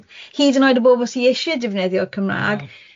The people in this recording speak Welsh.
Hyd yn oed y bobl sy isie defnyddio'r Cymrâg